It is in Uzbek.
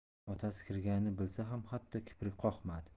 otasi kirganini bilsa ham hatto kiprik qoqmadi